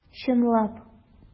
Чынлап!